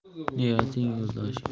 niyating yo'ldoshing